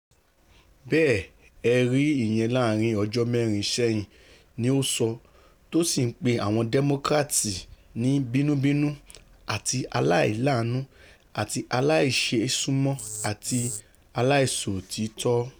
Bẹ́ẹ̀ ẹ rí ìyẹn láàrin ọjọ́ mẹ́rin ṣẹ́yìn,''ni o sọ, tó sì ńpe Awọn Democrats ní ''bínubínú àti aláìláàánú àti aláìṣeésúnmọ àti aláiṣòtítọ́.